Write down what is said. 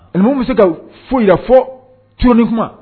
Ani bɛ se ka foyi fɔ cin kuma